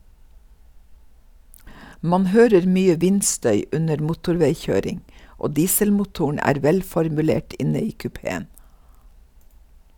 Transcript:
Man hører mye vindstøy under motorveikjøring, og dieselmotoren er velformulert inne i kupeen.